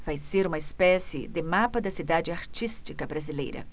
vai ser uma espécie de mapa da cidade artística brasileira